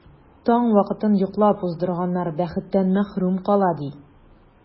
Таң вакытын йоклап уздырганнар бәхеттән мәхрүм кала, ди.